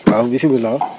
waaw bisimilah